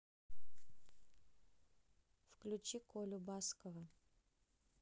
включи колю баскова